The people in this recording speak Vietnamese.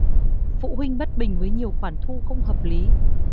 phụ huynh bất bình với nhiều khoản thu không hợp lý